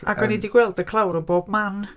Ac o'n i 'di gweld y clawr yn bob man.